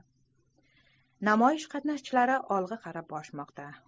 namoyish qatnashchilari olg'a qarab borishmoqda